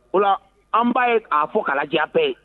O an ba ye k'a fɔ kala diya tɛ ye